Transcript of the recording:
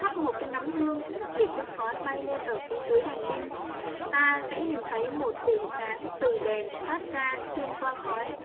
hấp một cái nấm hương để cho khói bay lên ở phía dưới đèn pin ta sẽ nhìn thấy một vệt sáng từ đèn phát ra xuyên qua khỏi